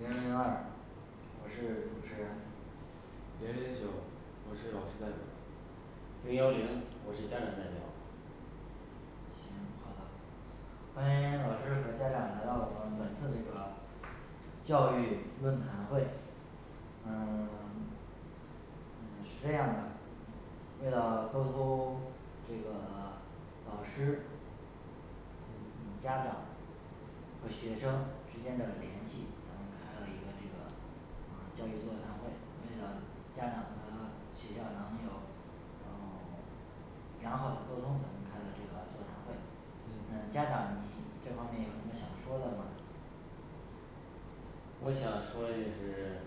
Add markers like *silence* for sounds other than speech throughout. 零零二我是主持人零零九我是老师代表零幺零我是家长代表行好的欢迎老师和家长来到我们本次这个教育论坛会嗯 *silence* 嗯是这样的，为了沟通 *silence* 这个 *silence* 老师嗯家嗯长和学生之间的联系，咱们开了一个这个嗯教育座谈会，为了家长和学校能有有 *silence* 良好的沟通，咱们开了这个座谈会嗯嗯家长你这方面有什么想说的吗我想说嘞是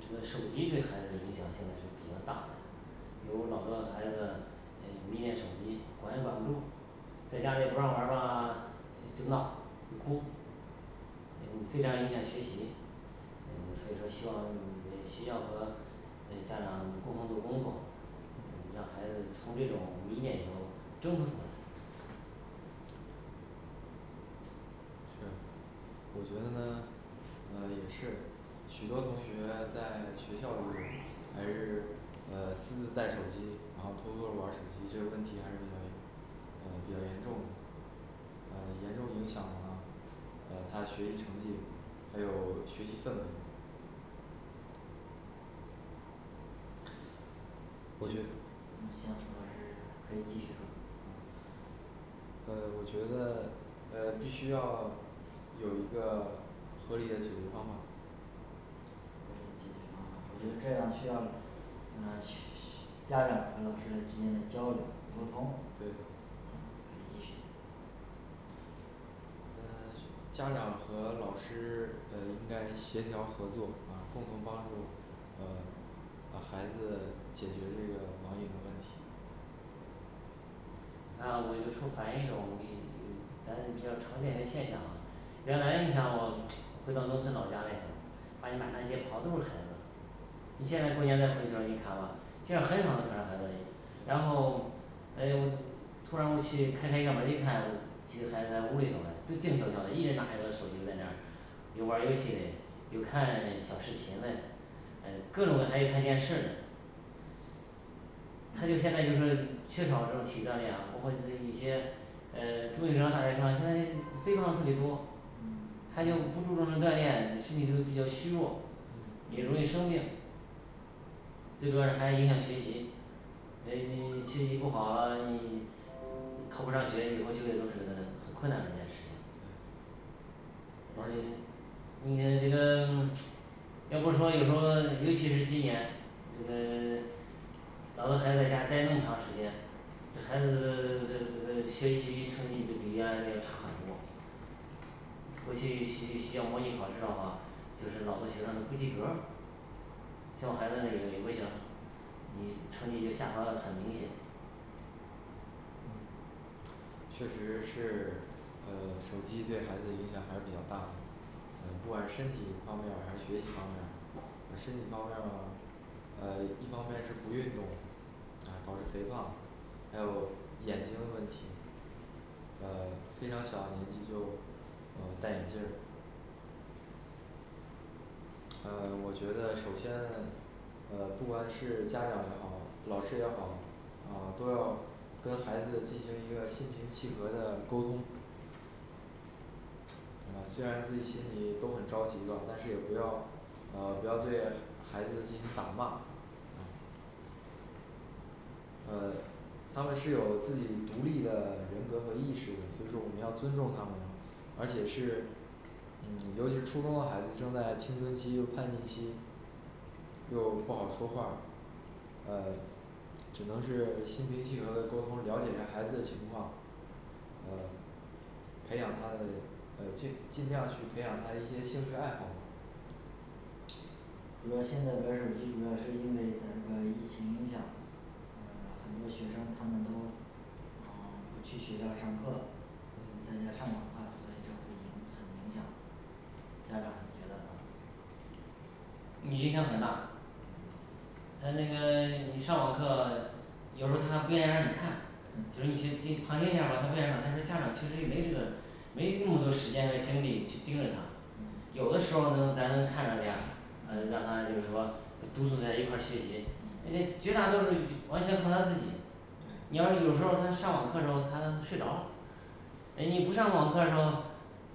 这个手机对孩子的影响现在是比较大的，有老多孩子，诶迷恋手机管也管不住在家里不让玩儿吧就闹就哭就非常影响学习呃所以说希望呃学校和诶家长共同做工作嗯让孩子从这种迷恋里头挣脱出来是我觉得呢啊也是许多同学在学校里还是呃私自带手机，然后偷偷的玩儿手机，这个问题还是比较严 *unintelligible* 呃比较严重的，呃严重影响了呃他学习成绩，还有学习氛围我觉那行老师可以继续说啊呃我觉得呃必须要有一个合理的解决方法合理的解决方法，我觉得对这样需要呃学学家长跟老师之间的交流沟通对行可以继续呃家长和老师呃应该协调合作啊，共同帮助呃把孩子解决这个网瘾的问题你看啊我就说反映一种一一咱比较常见的现象啊原来你想我回到农村老家里头，发现满大街跑的都是孩子你现在过年再回去时候，你看吧现在很少能看到孩子，然后诶呦突然我去开开院门儿，一看几个孩子在屋里头嘞都静悄悄嘞，一人拿一个手机就在那儿有玩儿游戏嘞，有看小视频嘞，呃各种还有看电视嘞他就现在就是说缺少这种体育锻炼啊，包括现在一些呃中学生大学生啊现在肥胖嘞特别多，他就不注重这锻炼，身体都比较虚弱，也容易生病最主要是还是影响学习呃你学习不好咯，你考不上学以后就业都是很困难的一件事情而且应该这个要不说有时候尤其是今年这个 *silence* 然后孩子在家呆那么长时间，就孩子的的学习成绩就比原来的要差很多回去去学校模拟考试的话，就是老多学生不及格儿像我孩子那个也不行，你成绩就下滑的很明显，确实是呃手机对孩子的影响还是比较大的呃不管是身体方面还是学习方面，呃身体方面，呃一方面是不运动呃导致肥胖，还有眼睛问题呃非常小的年纪就哦戴眼镜呃我觉得首先呃不管是家长也好，老师也好，呃都要跟孩子进行一个心平气和的沟通呃虽然自己心里都很着急吧，但是也不要呃不要对孩子进行打骂呃他们是有自己独立的人格和意识的，所以说我们要尊重他们，而且是嗯尤其是初中的孩子正在青春期就叛逆期又不好说话儿呃只能是心平气和的沟通，了解一下孩子的情况呃培养他的呃尽尽量去培养他的一些兴趣爱好主要现在玩儿手机主要是因为咱这个疫情影响嗯很多学生他们都嗯不去学校上课嗯在家上网课所以这会影很影响家长你觉得呢你影响很大呃那个 *silence* 一上网课有时候儿他还不愿意让你看，就是你去听旁听一下儿吧，他不愿意让你看，再说家长其实也没这个没那多时间和精力去盯着他，有的时候能咱能看着点儿呃让他就是说督促他一块儿学习，嗯绝大多数儿就完全靠他自己你要是有时候儿他上网课的时候他睡着啦诶你不上网课的时候，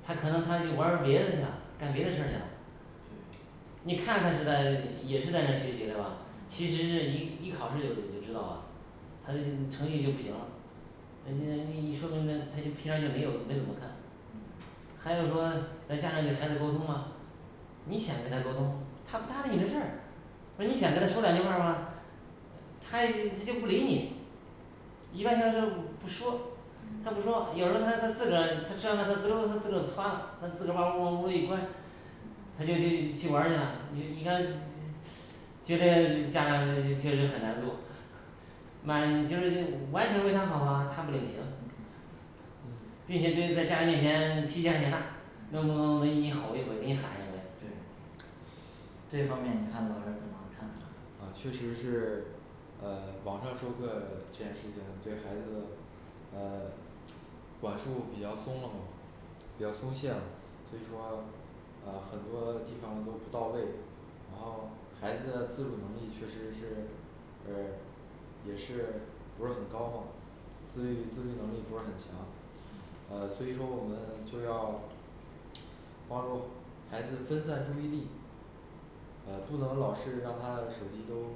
他可能他去玩儿别的去了，干别的事儿去了你看他是在也是在那儿学习嘞吧，其实是一一考试就就知道啦他就成绩就不行啦那现在那你说明他他就平常儿就没有没怎么看嗯还有说在家里跟孩子沟通吗你想跟他沟通，他不搭理你这事儿呃你想跟他说两句话儿吧他他就不理你一般现在说不说，他不说有时候儿他他自个儿他吃完饭他滋溜他自个儿蹿啦，他自个儿往屋往屋里一关嗯他就就就去玩儿去啦，你你看就这家长这这确实很难做满就是就完全为他好嘛他不领情嗯并且对在家人面前脾气还挺大，弄不弄都跟你吼一回给你喊一回。对这方面你看老师怎么看法儿啊确实是呃网上授课这件事情对孩子呃管束比较松了嘛比较松懈了，所以呃说很多地方都不到位然后孩子的自主能力确实是是也是不是很高嘛自律自律能力不是很强，呃所以说我们就要帮助孩子分散注意力呃不能老是让他的手机都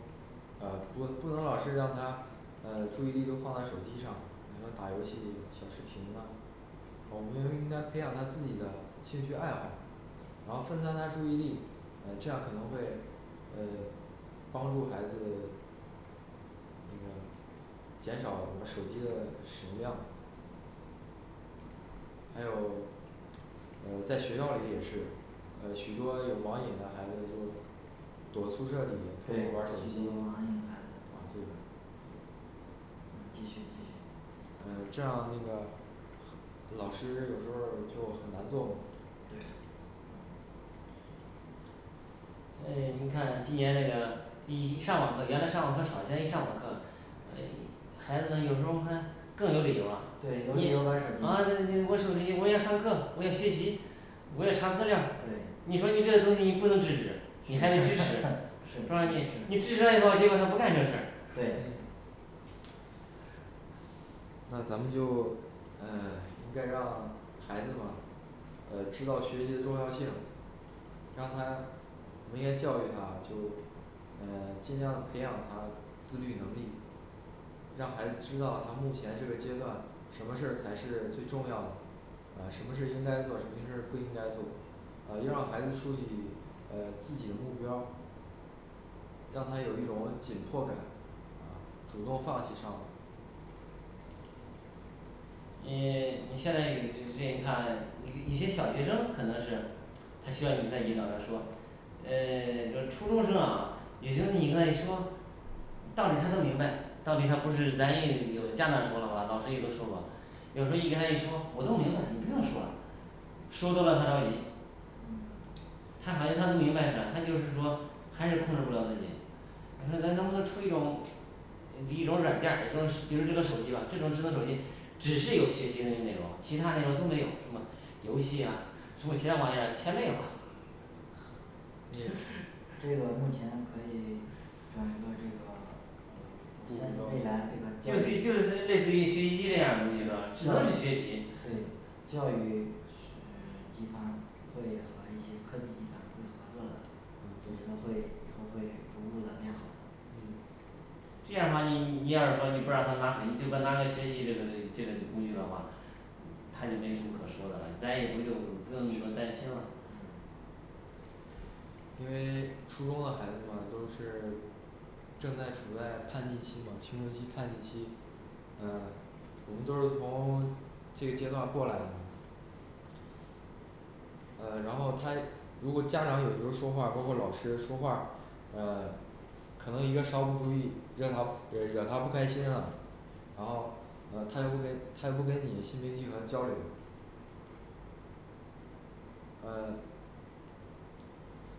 呃不不能老是让他呃注意力都放在手机上，然后打游戏小视频啊呃我们应该培养他自己的兴趣爱好然后分散他注意力，呃这样可能会呃帮助孩子那个减少玩儿手机的使用量还有呃在学校里也是呃许多有网瘾的孩子就躲宿舍里对许多偷摸儿玩儿手机网瘾孩子躲宿舍里嗯继续继续呃这样那个老师有时候儿就很难做嘛对诶你看今年那个一上网课原来上网课少现在一上网课可以孩子们有时候还更有理由啊对有理由玩儿你啊手机了你手机啊我要上课我要学习我要查资料儿对你说你这个东西你不能制止你还得支 *noise* 是持是是你支持以后结果她不干这事儿嗯对那咱们就嗯应该让孩子嘛呃知道学习的重要性让他我们应该教育他就呃尽量培养他自律能力让孩子知道他目前这个阶段什么事才是最重要的呃什么事应该做，什么事不应该做，呃要让孩子竖起呃自己的目标让他有一种紧迫感主动放弃上网噫你现在你就这看一个一些小学生可能是他需要你给他引导他说呃就是初中生啊你说你跟他说道理他都明白道理他不是咱有家长说了嘛老师也都说过有时候一跟他一说我都明白你不用说啦说多了他着急嗯他好像他都明白是的他就是说还是控制不了自己你说咱能不能出一种一种软件儿一种比如这个手机吧这种智能手机只是有学习的内容，其他内容都没有，什么游戏啊什么其他网页啊全没有诶这个目前可以整一个这个 *silence* 呃我相信未来这个就教是育就是类似于学习机这对样的东西是吧，只能是教学习对教育呃 *silence* 集团会和一些科技集团会合作的，我觉得会以后会逐步的变好的嗯这样的话你你你要是说你不让他拿手机，就光拿个学习这个这个这个工具的话他就没什么可说的了咱也不用不用说担心了因为初中的孩子们都是正在处在叛逆期嘛青春期叛逆期呃我们都是从这个阶段过来的呃然后他如果家长有时候说话包括老师说话呃可能一个稍不注意让他惹他不开心了然后呃他又不跟他又不跟你们心平气和交流呃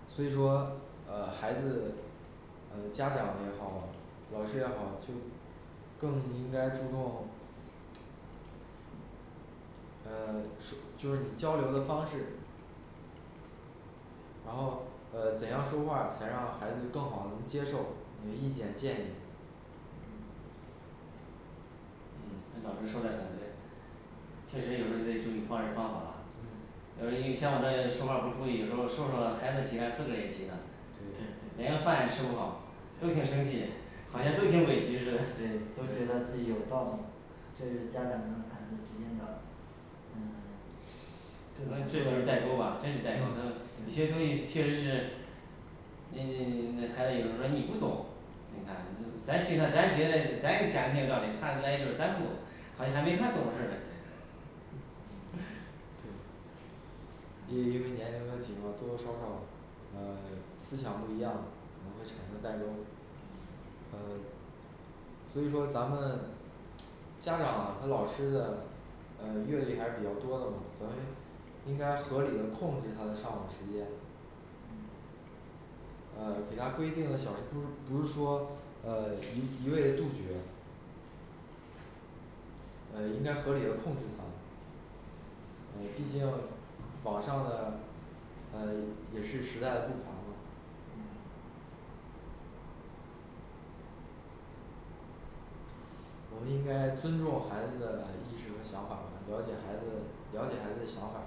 所以说呃孩子呃家长也好老师也好就更应该注重呃说就是你交流的方式然后呃怎样说话儿才让孩子更好的能接受你的意见建议嗯老师说嘞很对确实有时候就得注意方式方法啦嗯有利于像我这说话儿不注意有时候说说孩子急了自己也急了对对连对个饭也吃不好都挺生气好像都挺委屈是的对都觉得自己有道理这就是家长跟孩子之间的嗯 *silence* 这这怎么就说是呢代沟吧真是代沟他们有些东西确实是那那那孩子有时候说你不懂，你看咱现在咱觉得咱讲的挺有道理他来一句儿咱不懂好像还没他懂事儿嘞嗯对因因为年龄的问题嘛多多少少呃思想不一样，可能会产生代沟呃所以说咱们家长和老师的呃阅历还是比较多的嘛咱们应该合理的控制他的上网时间呃给他规定的小时不是不是说呃一味一味的杜绝呃应该合理的控制他呃毕竟网上的呃也是时代的步伐嘛嗯我们应该尊重孩子的意识和想法儿吧了解孩子了解孩子的想法儿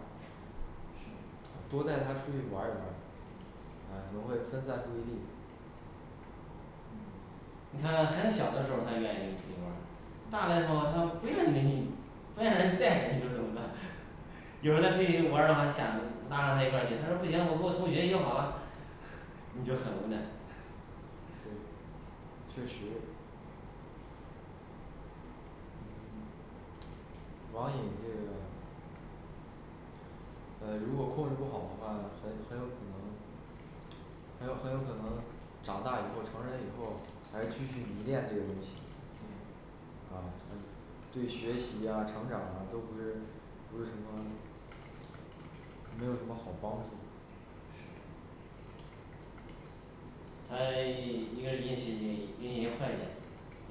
啊多带他出去玩儿一玩儿呃可能会分散注意力你看孩子小的时候儿他愿意跟你出去玩儿大了以后他不愿意理你不愿意让你带着你说怎么办有的出去玩儿的话想拉着他一块儿去他说不行我跟同学约好啦你就很无奈对确实嗯网瘾这个呃如果控制不好的话很很有可能很有很有可能长大以后成人以后还会继续迷恋这个东西对啊对对学习呀成长啊都不是不是什么没有什么好帮助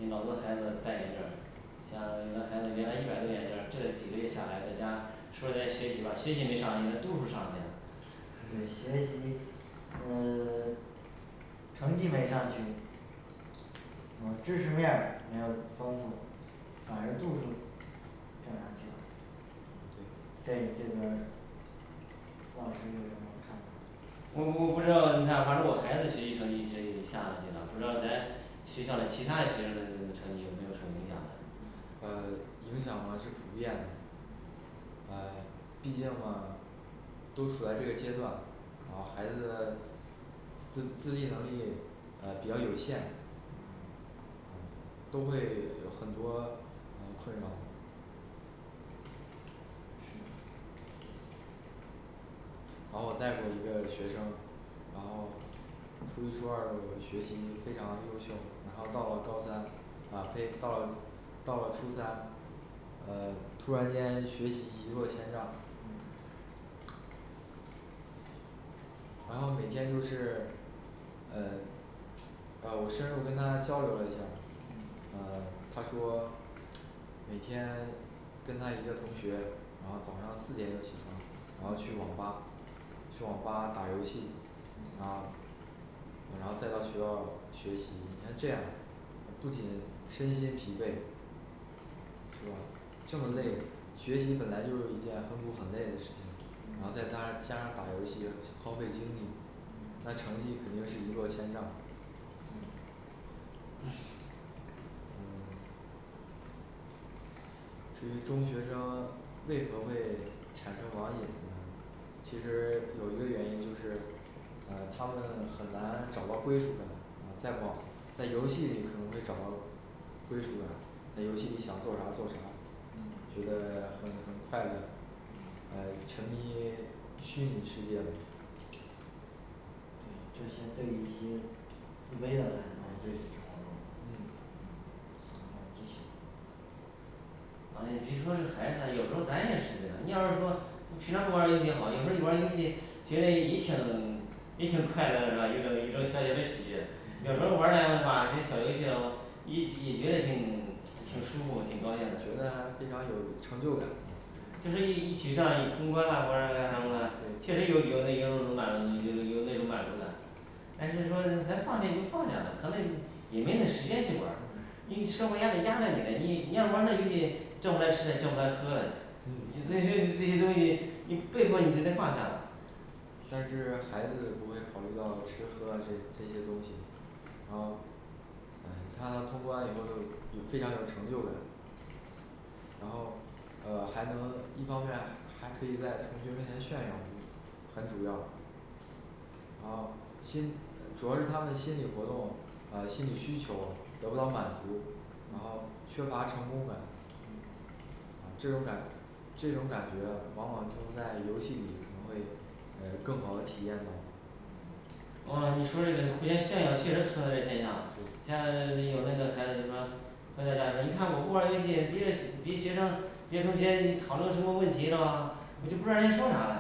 老多孩子戴眼镜儿像有的孩子原来一百度眼镜儿这几个月下来在家说是在学习吧学习没上去度数上去了对学习呃 *silence* 成绩没上去呃知识面儿没有丰富反而度数整上去了这这边儿老师有什么看法我我不知道，你看反正我孩子学习成绩一直下去了，不知道咱学校嘞其他的学生的成绩有没有什么影响呃影响吗是普遍的呃毕竟嘛都处在这个阶段呃孩子自自立能力呃比较有限都会有很多呃困扰然后我带过一个学生然后初一初二学习非常的优秀然后到了高三啊呸到了到了初三呃突然间学习一落千丈然后每天就是呃呃我深入跟他交流了一下呃他说每天跟他一个同学然后早上四点就起床然后去网吧去网吧打游戏然后呃然后再到学校学习你看这样不仅身心疲惫是吧这么累学习本来就是一件很苦很累的事情然后再加 *unintelligible* 加上打游戏耗费精力那成绩肯定是一落千丈对呃至于中学生为何会产生网瘾呢其实有一个原因就是呃他们很难找到归宿感啊在网在游戏里可能会找到归宿感在游戏里想做啥做啥嗯觉得很很快乐嗯呃沉迷虚拟世界嘛对这些对一些自卑的孩子在现实生活中嗯嗯行那继续哎呀别说着孩子了有时候咱也是这个你要是说不平常不玩儿游戏也好有时候一玩儿游戏觉嘞也挺也挺快乐的是吧有种有种小小的喜悦有时候玩儿两把那小游戏了，也觉 *unintelligible* 也觉得挺挺舒服挺高兴的觉得还非常有成就感就是一一起上也通关啦或者干什么的，对确实有有那种满有有那种满足感但是说咱放下也就放下咱们也没那时间去玩儿因为生活压力压着你嘞你你要是玩儿那游戏挣不来吃嘞挣不来喝嘞你自己嗯是这些东西你被迫你就得放下啦但是孩子不会考虑到吃喝这这些东西然后哎他通关以后都非常有成就感然后呃还能一方面还可以在同学面前炫耀很主要然后心主要是他们心理活动呃心理需求得不到满足然后缺乏成功感呃这种感这种感觉往往都用在游戏里可能会呃更好的体验到呃你说这个互相炫耀确实存在这个现象对像有那个孩子就说回到家就说你看我不玩儿游戏别的别的学生别的同学讨论什么问题是吧我就不知道人家说啥嘞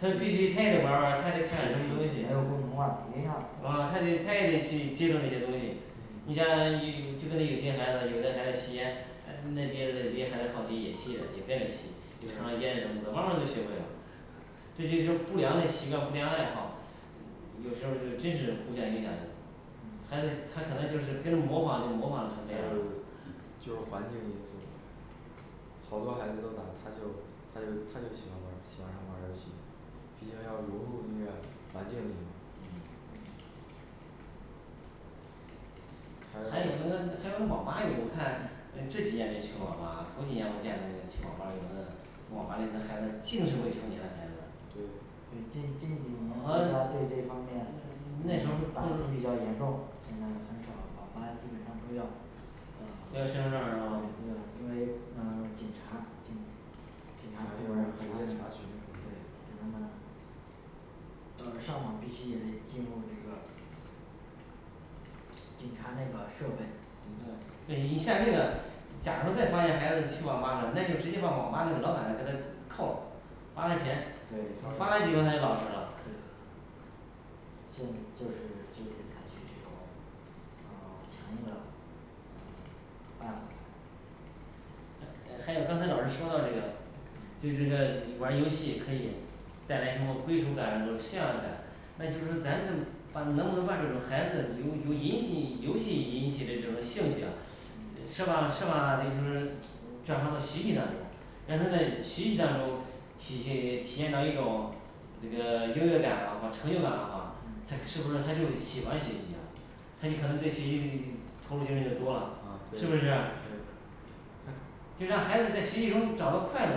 他必须他也得玩儿玩儿是是是他还得看看什么东西没有共同话题啊啊他得他也得去接触那些东西你像有 *unintelligible* 就跟那有些孩子有的孩子吸烟啊那别的别的孩子好奇也吸着也跟着吸尝尝烟是什么慢慢就学会了这些是不良嘞习惯不良爱好有时候是真是互相影响嗯孩子他可能就是跟着模仿就模仿就成这样了就是环境因素了好多孩子都咋他就他就他就喜欢玩儿喜欢上玩儿游戏毕竟要融入那个环境里嘛嗯还还有有那个还有那网吧里我看呃这几年没去网吧头几年我见那个去网吧有的网吧里的孩子净是未成年的孩子对对近近几年国呃家对这方那面时嗯候儿打击是比较都严是重现在很少网吧基本上都要都呃要身份证儿对都要是吧因为呃警察警警察部门儿直和他接们查询对可以给他们到上网必须也得进入这个警察那个设备对嗯对你像那个假如再发现孩子去网吧了，那就直接把网吧那个老板给他铐咯罚个钱对罚个几回他就老实了对现在就是就得采取这种哦 *silence* 强硬的嗯办法来呃呃还有刚才老师说到这个就这个你玩儿游戏可以带来什么归属感和炫耀感那就是说咱怎么 *unintelligible* 把能不能这种孩子由由引戏游戏引起的这种兴趣啊嗯设法设法就是转化到学习当中让他在学习当中体恤体验到一种这个优越感啦和成就感啦哈嗯他是不是他就喜欢学习啊他有可能对学习投入精力就多了是不嗯对是对就让孩子在学习中找到快乐，